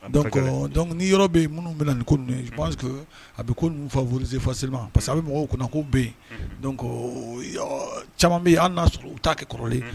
Doncc ni yɔrɔ bɛ minnu bɛna na nin ko a bɛ ko fa wzefasiri ma parce que a bɛ mɔgɔw ko bɛ yen caman bɛ an'a sɔrɔ u' kɛ kɔrɔlen